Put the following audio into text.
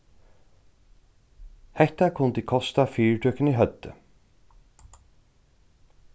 hetta kundi kostað fyritøkuni høvdið